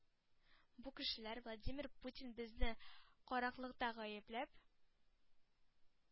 Бу кешеләр Владимир Путин безне караклыкта гаепләп,